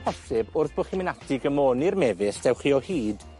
posib, wrth bo' chi'n myn' ati i gymoni'r mefus, dewch chi o hyd